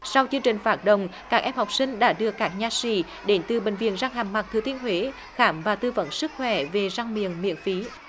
sau chương trình phát động các em học sinh đã được các nha sĩ đến từ bệnh viện răng hàm mặt thừa thiên huế khám và tư vấn sức khỏe về răng miệng miễn phí